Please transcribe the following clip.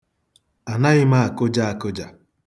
Anaghị m akụja akụja.